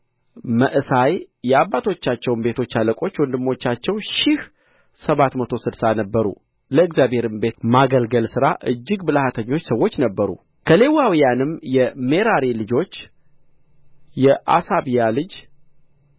መዕሣይ የአባቶቻቸውም ቤቶች አለቆች ወንድሞቻቸው ሺህ ሰባት መቶ ስድሳ ነበሩ ለእግዚአብሔር ቤት ማገልገል ሥራ እጅግ ብልሃተኞች ሰዎች ነበሩ ከሌዋውያንም የሜራሪ ልጆች የአሳብያ ልጅ